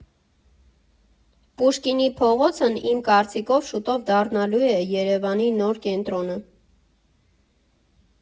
Պուշկինի փողոցն իմ կարծիքով շուտով դառնալու է Երևանի նոր կենտրոնը։